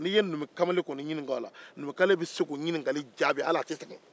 n'i ye numukamalen kɔni ɲininka o la a bɛ se k'o jaabi hali a tɛ sɛgɛn